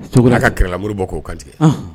To ka kɛlɛla mori bɔ k'o kantigɛ